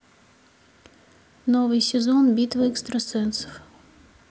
новый сезон битвы экстрасенсов